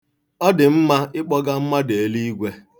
Ọ dị mma ịkpoga mmadụ eluigwe.